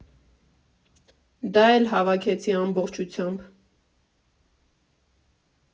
Դա էլ հավաքեցի ամբողջությամբ։